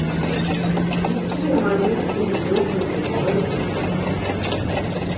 смешные моменты из группы the boys